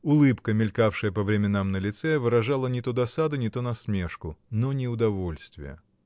Улыбка, мелькавшая по временам на лице, выражала не то досаду, не то насмешку, но не удовольствие.